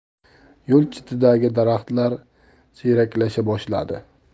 yo'l chetidagi daraxtlar siyraklasha boshladi